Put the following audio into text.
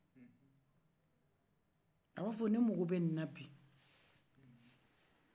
a b'a fɔ ko ne mako bɛ ni den la bi